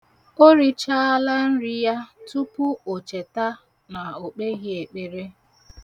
O richaala nri ya tupu o cheta na okpeghị ekpere.